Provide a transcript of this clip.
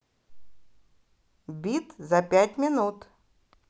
бит за пять минут